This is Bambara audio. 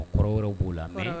A kɔrɔ yɔrɔ b'o la